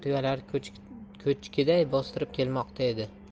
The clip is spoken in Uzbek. tuyalar ko'chkiday bostirib kelmoqda edi